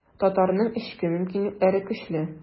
Татарның эчке мөмкинлекләре көчле.